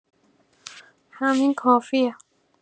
همین کافیه.